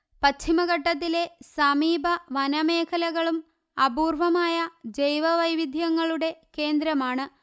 പശ്ചിമ ഘട്ടത്തിലെ സമീപ വന മേഖലകളും അപൂർവമായ ജൈവ വൈവിധ്യങ്ങളുടെ കേന്ദ്രമാണ്